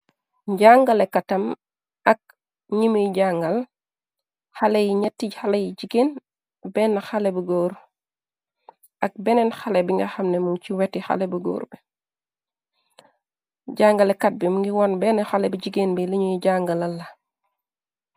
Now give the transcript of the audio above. Jangalekatam ak ñimuy jangal xale yi ñetti xe r ak benneen xale bi nga xamne mu ci weti xale bu góor jangalekat bi m ngi woon benn xale bi jigéen bi liñuy jangala la.